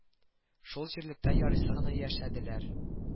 Шул җирлектә ярыйсы гына яшәделәр